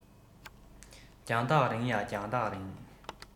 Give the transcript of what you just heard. རྒྱང ཐག རིང ཡ རྒྱང ཐག རིང